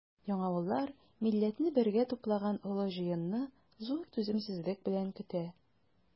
Яңавыллар милләтне бергә туплаган олы җыенны зур түземсезлек белән көтә.